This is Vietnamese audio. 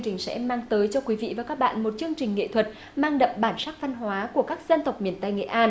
trình sẽ mang tới cho quý vị và các bạn một chương trình nghệ thuật mang đậm bản sắc văn hóa của các dân tộc miền tây nghệ an